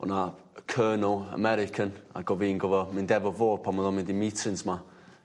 o' 'na cyrnal American ac o' fi'n gofo mynd efo fo pan o'dd o'n mynd i meetings 'ma